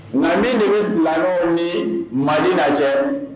Na min ni silamɛ ni mali di lajɛ